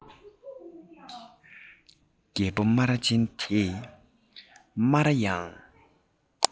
རྒད པོ སྨ ར ཅན དེས སྨ ར ཡང